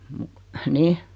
mutta niin